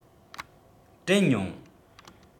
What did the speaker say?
དྲན མྱོང